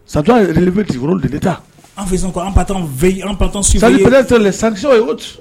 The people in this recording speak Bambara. Satutura lib bɛ kikɔrɔ de taa an fɛsi an pan an pan sa satisow ye o